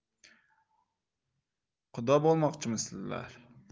quda bo'lmoqchimisizlar